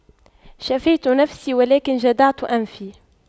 شفيت نفسي ولكن جدعت أنفي